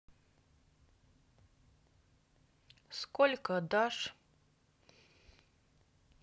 сколько дашь